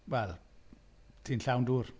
Wel, ti'n llawn dŵr.